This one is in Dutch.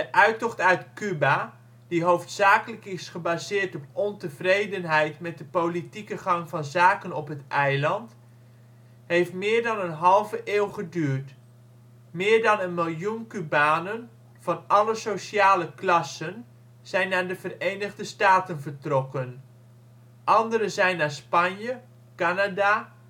uittocht uit Cuba, die hoofdzakelijk is gebaseerd op ontevredenheid met de politieke gang van zaken op het eiland, heeft meer dan een halve eeuw geduurd. Meer dan een miljoen Cubanen van alle sociale klassen zijn naar de Verenigde Staten vertrokken. Anderen zijn naar Spanje, Canada, Mexico